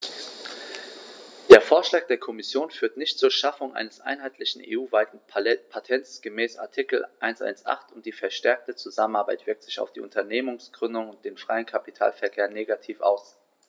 Der Vorschlag der Kommission führt nicht zur Schaffung eines einheitlichen, EU-weiten Patents gemäß Artikel 118, und die verstärkte Zusammenarbeit wirkt sich auf die Unternehmensgründung und den freien Kapitalverkehr negativ aus.